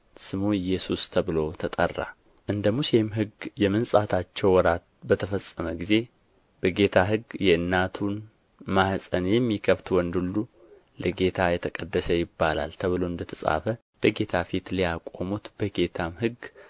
ስሙ ኢየሱስ ተብሎ ተጠራ እንደ ሙሴም ሕግ የመንጻታቸው ወራት በተፈጸመ ጊዜ በጌታ ሕግ የእናቱን ማኅፀን የሚከፍት ወንድ ሁሉ ለጌታ የተቀደሰ ይባላል ተብሎ እንደ ተጻፈ በጌታ ፊት ሊያቆሙት በጌታም ሕግ